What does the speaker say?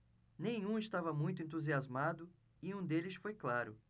nenhum estava muito entusiasmado e um deles foi claro